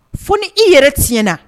Fo ni i yɛrɛ tiɲɛna